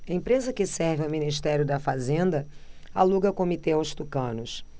empresa que serve ao ministério da fazenda aluga comitê aos tucanos